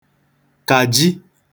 kàji